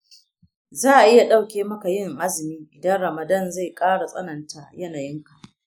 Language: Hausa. za a iya ɗauke maka yin azumi idan ramadan zai ƙara tsananta yanayinka.